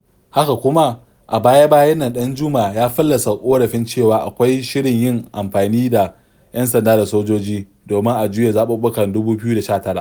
Haka kuma, a baya-bayan nan ɗanjuma ya fallasa ƙorafin cewa akwai shirin yi amfani da "'yan sanda da sojoji" domin a juya zaɓuɓɓukan 2019.